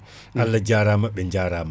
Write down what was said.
Allah jaarama ɓe jaarama